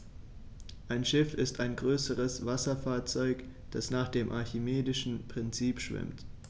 Ein Schiff ist ein größeres Wasserfahrzeug, das nach dem archimedischen Prinzip schwimmt.